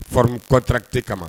Frin kɔtate kama